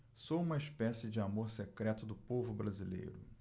sou uma espécie de amor secreto do povo brasileiro